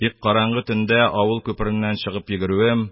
Тик караңгы төндә авыл күпереннән чыгып йөгерүем,